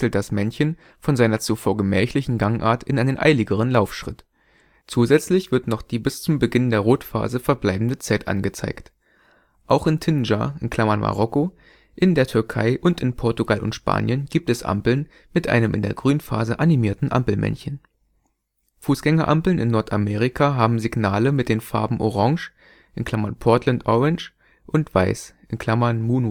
das Männchen von seiner zuvor gemächlichen Gangart in einen eiligeren Laufschritt. Zusätzlich wird noch die bis zum Beginn der Rotphase verbleibende Zeit angezeigt. Auch in Tanger (Marokko) in der Türkei und in Portugal und Spanien gibt es Ampeln mit einem in der Grünphase animierten Ampelmännchen. Polnische Ampelmännchen Fußgängerampeln in Nordamerika haben Signale mit den Farben Orange (Portland orange) und Weiß (Moon